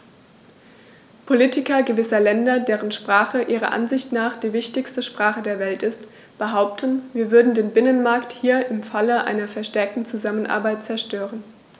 Politiker gewisser Länder, deren Sprache ihrer Ansicht nach die wichtigste Sprache der Welt ist, behaupten, wir würden den Binnenmarkt hier im Falle einer verstärkten Zusammenarbeit zerstören.